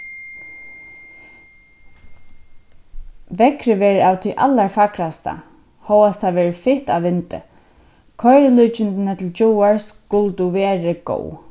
veðrið verður av tí allarfagrasta hóast tað verður fitt av vindi koyrilíkindini til gjáar skuldu verið góð